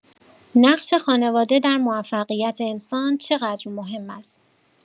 نقش خانواده در موفقیت انسان چقدر مهم است؟